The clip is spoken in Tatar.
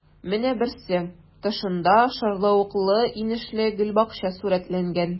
Менә берсе: тышында шарлавыклы-инешле гөлбакча сурәтләнгән.